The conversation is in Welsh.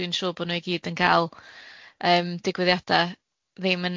dwi'n siŵr bo n'w i gyd yn cal yym digwyddiada ddim yn